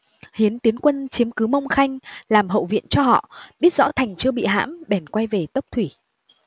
hiến tiến quân chiếm cứ mông khanh làm hậu viện cho họ biết rõ thành chưa bị hãm bèn quay về tốc thủy